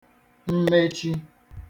mmechi